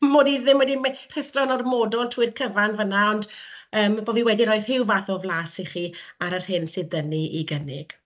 'mod i ddim wedi my- rhuthro yn ormodol trwy'r cyfan fanna, ond yym bo' fi wedi rhoi rhyw fath o flas i chi ar yr hyn sydd 'da ni i gynnig.